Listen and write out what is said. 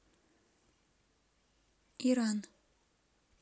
иран